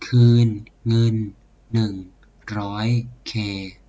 คืนเงินหนึ่งร้อยเค